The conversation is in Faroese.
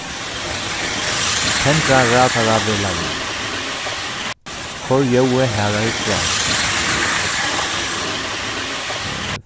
tendra radaravegleiðing koyr ljóðið harðari frá